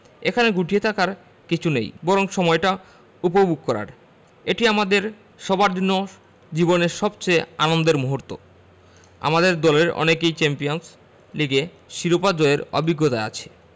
এখানে গুটিয়ে থাকার কিছু নেই বরং সময়টা উপভোগ করার এটি আমাদের সবার জন্যই জীবনের সবচেয়ে আনন্দের মুহূর্ত আমাদের দলের অনেকের চ্যাম্পিয়নস লিগ শিরোপা জয়ের অভিজ্ঞতা আছে